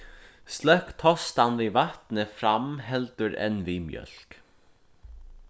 sløkk tostan við vatni fram heldur enn við mjólk